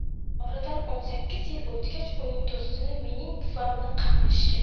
oradan o'n sakkiz yil o'tgach uning do'stini mening buvamni qamashgan